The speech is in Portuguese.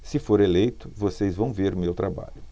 se for eleito vocês vão ver o meu trabalho